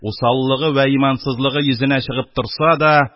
«усаллыгы вә имансызлыгы йөзенә чыгып» торса да,